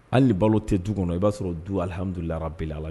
Hali ni balo te du kɔnɔ i ba sɔrɔ du alihamidulila rabili alamina